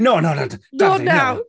"No, no, Davide, not now!"